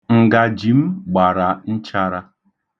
Ngaji m gbara nchara.